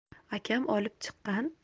akam olib chiqqan